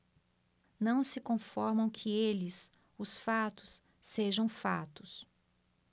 não se conformam que eles os fatos sejam fatos